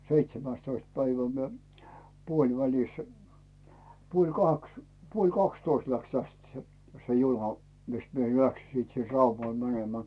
seitsemästoista päivä minä puolivälissä puoli kaksi puoli kaksitoista lähti tästä se se juna missä minä lähdin sitten sinne Raumalle menemään